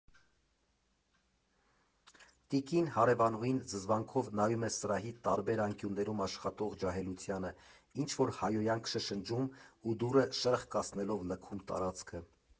Տիկին հարևանուհին զզվանքով նայում է սրահի տարբեր անկյուններում աշխատող ջահելությանը, ինչ֊որ հայհոյանք շշնջում ու դուռը շրխկացնելով լքում տարածքը։